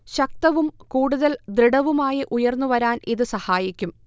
ശക്തവും കൂടുതൽ ദൃഡവുമായി ഉയർന്നു വരാൻ ഇത് സഹായിക്കും